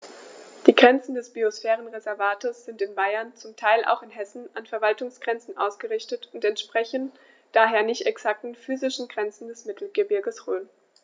Die Grenzen des Biosphärenreservates sind in Bayern, zum Teil auch in Hessen, an Verwaltungsgrenzen ausgerichtet und entsprechen daher nicht exakten physischen Grenzen des Mittelgebirges Rhön.